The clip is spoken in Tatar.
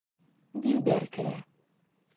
Дилбәр керә.